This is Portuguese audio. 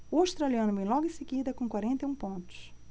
o australiano vem logo em seguida com quarenta e um pontos